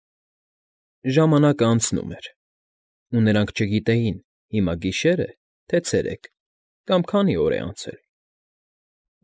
Ժամանակն անցնում էր, ու նրանք չգիտեին հիմա գիշե՞ր է, թե ցերեկ կամ քանի՞ օր է անցել։